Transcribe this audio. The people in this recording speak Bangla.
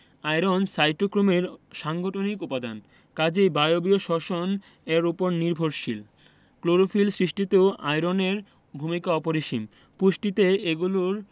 আয়রন সাইটোক্রোমের সাংগঠনিক উপাদান কাজেই বায়বীয় শ্বসন এর উপর নির্ভরশীল ক্লোরোফিল সৃষ্টিতেও আয়রনের ভূমিকা অপরিসীম পুষ্টিতে এগুলোর